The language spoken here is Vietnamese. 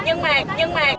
nhưng mà nhưng mà